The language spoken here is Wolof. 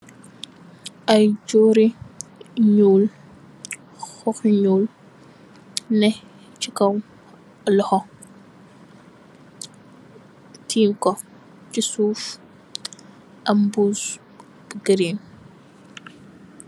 Ay jori ñuul, hoh yu ñuul, nè chi kaw loho tè ko chi suuf am mbus bu green.